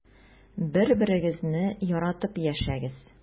Бер-берегезне яратып яшәгез.